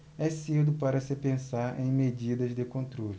é cedo para se pensar em medidas de controle